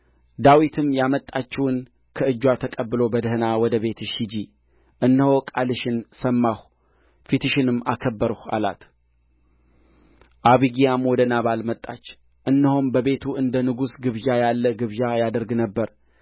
ዳዊትም ያመጣችውን ከእጅዋ ተቀብሎ በደኅና ወደቤትሽ ሂጂ እነሆ ቃልሽን ሰማሁ ፊትሽንም አከበርሁ አላት አቢግያም ወደ ናባል መጣች እነሆም በቤቱ እንደ ንጉሥ ግብዣ ያለ ግብዣ ያደርግ ነበር